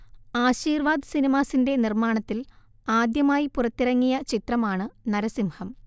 ആശീർവാദ് സിനിമാസിന്റെ നിർമ്മാണത്തിൽ ആദ്യമായി പുറത്തിറങ്ങിയ ചിത്രമാണ് നരസിംഹം